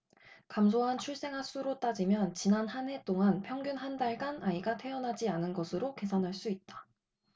감소한 출생아 수로 따지면 지난 한 해 동안 평균 한 달간 아이가 태어나지 않은 것으로 계산할 수 있다